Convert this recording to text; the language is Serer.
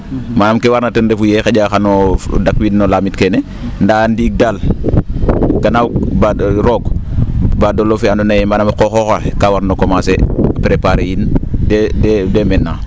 manaam ke warna ten refuye xa?a xan o dakwiid no lamit keene ndaa ndiig daal ganaaw roog baadoola fee andoona ye manam o qooxoox oxe kaa warno commencer a preparer in dés maintenant ;fra